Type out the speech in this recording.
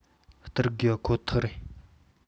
སྟེར དགོས པ ཁོ ཐག རེད